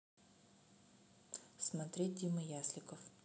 смотреть дима ясликов